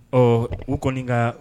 Ɔ u kɔni ka